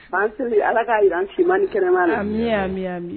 An ala k'a yan man kɛnɛma la